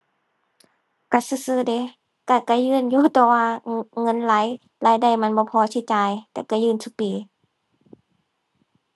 ก็ซื่อซื่อเดะ ก็ ก็ยื่นอยู่ แต่ว่าเงินราย รายได้มันบ่พอสิจ่าย แต่ก็ยื่นซุปี